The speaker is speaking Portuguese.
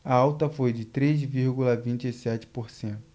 a alta foi de três vírgula vinte e sete por cento